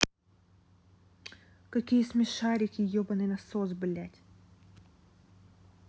какие смешарики ебаный насос блядь